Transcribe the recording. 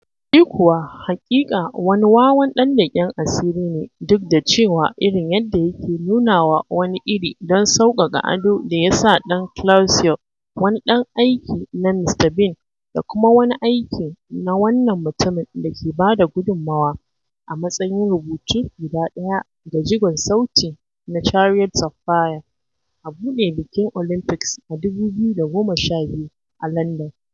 Shi kuwa haƙiƙa wani wawan ɗan leƙen asiri ne duk da cewa irin yadda yake nunawa wani iri don sauƙaƙa ado da ya sa ɗan Clouseau, wani ɗan aiki na Mista Bean da kuma wani aiki na wannan mutumin da ke ba da gudunmawa a matsayin rubutu guda ɗaya ga jigon sauti na Chariots of Fire a buɗe bikin Olympics a 2012 a Landan.